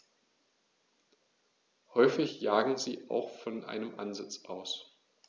Häufig jagen sie auch von einem Ansitz aus.